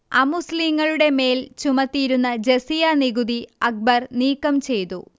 അമുസ്ലീങ്ങളുടെ മേൽ ചുമത്തിയിരുന്ന ജസിയ നികുതി അക്ബർ നീക്കംചെയ്തു